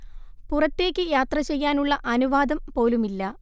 പുറത്തേക്ക് യാത്ര ചെയ്യാനുള്ള അനുവാദം പോലുമില്ല